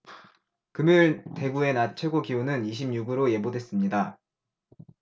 금요일 대구의 낮 최고기온은 이십 육 로 예보됐습니다